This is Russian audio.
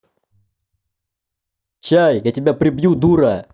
чай я тебя прибью дура